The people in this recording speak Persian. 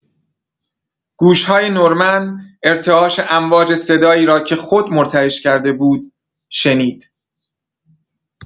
گوش‌های نورمن ارتعاش امواج صدایی را که خود مرتعش کرده بود، شنید.